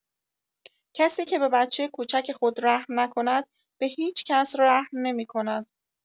کسی که به بچه کوچک خود رحم نکند به هیچ‌کس رحم نمی‌کند.